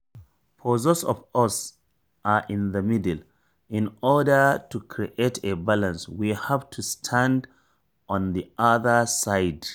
For those of us who are in the middle, in order to create a balance, we have to stand on the other side.